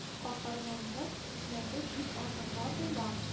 Каһарманлык үрнәге дип атырга була